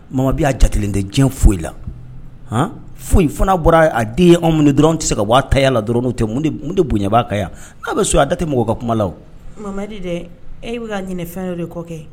Mama bɛ y'a jatigi tɛ diɲɛ foyi la hɔn foyi fana bɔra a den anw minɛ dɔrɔn tɛ se ka waa taya la dɔrɔn'o tɛ mun de bonyaɲabaa kan yan'a bɛ so a da tɛ mɔgɔ ka kumalaw mamari dɛ e bɛ ka ɲini fɛn dɔ de kɔ kɛ